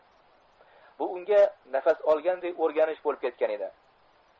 bu unga nafas olganday o'rganish bo'lib ketgan edi